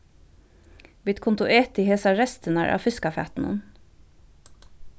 vit kundu etið hesar restirnar av fiskafatinum